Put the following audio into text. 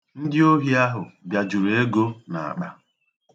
Ndị ohi ahụ biajuru ego n'akpa.